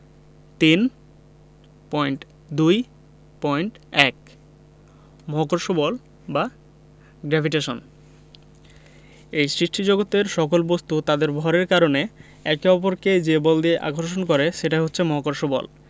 ৩.২ .১ মহাকর্ষ বল বা গ্রেভিটেশন এই সৃষ্টিজগতের সকল বস্তু তাদের ভরের কারণে একে অপরকে যে বল দিয়ে আকর্ষণ করে সেটাই হচ্ছে মহাকর্ষ বল